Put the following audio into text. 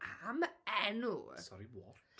Am enw! ...Sori what?